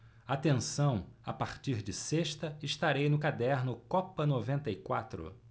atenção a partir de sexta estarei no caderno copa noventa e quatro